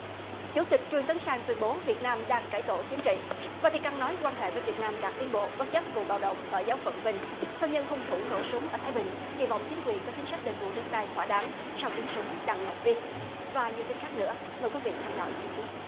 chủ tịch trương tấn sang tuyên bố việt nam đang cải tổ chính trị van ti căng nói quan hệ với việt nam đạt tiến bộ bất chấp vụ bạo động ở giáo phận vinh thân nhân hung thủ nổ súng ở thái bình kỳ vọng chính quyền có chính sách đền bù đất đai thỏa đáng sau tiếng súng đặng ngọc viết và nhiều tin khác nữa mời quý vị theo dõi chi tiết